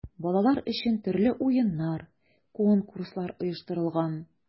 Балалар өчен төрле уеннар, конкурслар оештырылган.